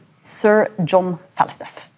Sir John Falstaff.